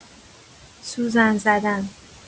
سوزن زدن